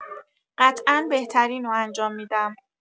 قطعا بهترینو انجام می‌دم.